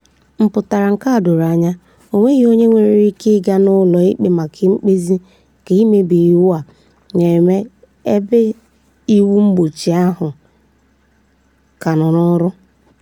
Mpụtara nke a doro anya — o nweghị onye nwere ike ịga n'ụlọ ikpe maka mkpezi ka mmebi iwu a na-eme ebe iwu mgbochi ahụ ka nọ n'ọrụ.